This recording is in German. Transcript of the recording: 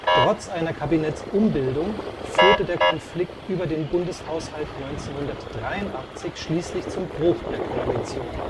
Trotz einer Kabinettsumbildung führte der Konflikt über den Bundeshaushalt 1983 schließlich zum Bruch der Koalition